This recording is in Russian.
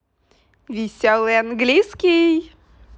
веселый английский